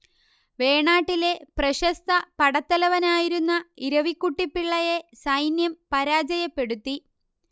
വേണാട്ടിലെ പ്രശസ്ത പടത്തലവനായിരുന്ന ഇരവിക്കുട്ടിപ്പിള്ളയെ സൈന്യം പരാജയപ്പെടുത്തി